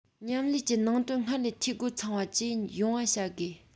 མཉམ ལས ཀྱི ནང དོན སྔར ལས འཐུས སྒོ ཚང བ བཅས ཡོང བ བྱ དགོས